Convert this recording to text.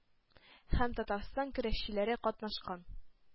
Һәм татарстан көрәшчеләре катнашкан.